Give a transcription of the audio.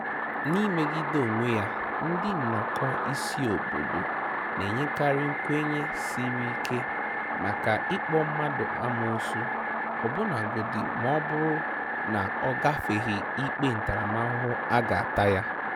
N'imegide onwe ya, ndị nnọkọ isi obodo na-enyekarị nkwenye siri ike maka ịkpọ mmadụ amoosu ọbụnagodu ma ọ bụrụ na o gafeghị ikpe ntaramahụhụ a ga-ata ya.